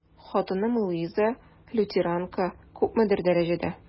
Хатыным Луиза, лютеранка, күпмедер дәрәҗәдә...